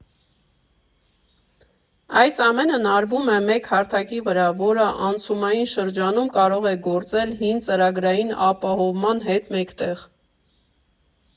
Այս ամենն արվում է մեկ հարթակի վրա, որը անցումային շրջանում կարող է գործել հին ծրագրային ապահովման հետ մեկտեղ։